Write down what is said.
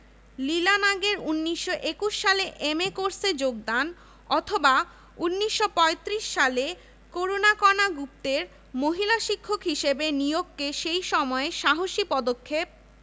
Sirajul Haq G C Dev J C Ghosh A B M Habibullah Mokarram Hossain Khondokar Kazi Motahar Hossain Sushil Kumar they